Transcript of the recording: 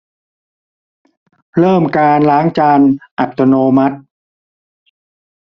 เริ่มการล้างจานอัตโนมัติ